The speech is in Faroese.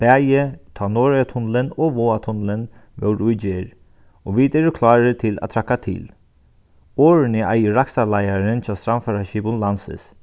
bæði tá norðoyatunnilin og vágatunnilin vóru í gerð og vit eru klárir til at traðka til orðini eigur rakstrarleiðarin hjá strandfaraskipum landsins